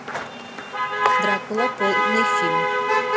дракула полный фильм